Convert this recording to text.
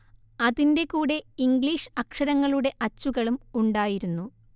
അതിന്റെ കൂടെ ഇംഗ്ലീഷ് അക്ഷരങ്ങളുടെ അച്ചുകളും ഉണ്ടായിരുന്നു